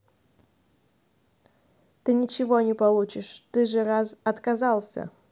ты ничего не получишь ты же раз отказался